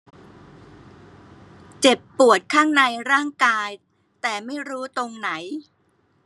เจ็บปวดข้างในร่างกายแต่ไม่รู้ตรงไหน